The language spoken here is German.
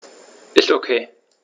Ist OK.